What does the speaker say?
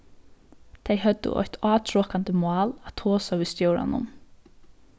tey høvdu eitt átrokandi mál at tosa við stjóran um